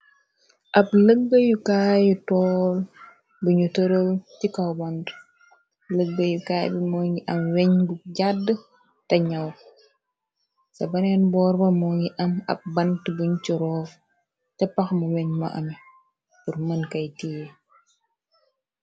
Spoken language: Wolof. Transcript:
Ab lëgbayukaayu tool buñu tërëw ci kow banti, lëgbeyukaay bi moo ngi am weñ bu jàdd te ñaw. Sa baneen boorba moo ngi am ab bant buñ ci roov ca pax mu weñ mo ame pur mën kay tiee.